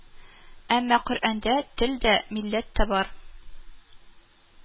Әмма Коръәндә тел дә, милләт тә бар